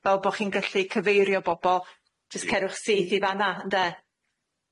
Fel bo' chi'n gallu cyfeirio bobol, jyst cerwch syth i fan 'na ynde?